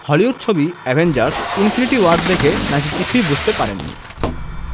Hollywood ছবি Avengers Infinity War দেখে নাকি কিছুই বুঝতে পারেননি